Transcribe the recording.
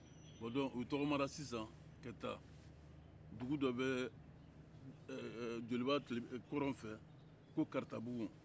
bon donc u tagamana sisan ka taa dugu dɔ bɛ yen ɛɛ joliba kɔrɔn fɛ ko karatabugu